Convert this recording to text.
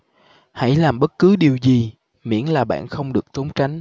hãy làm bất cứ điều gì miễn là bạn không được trốn tránh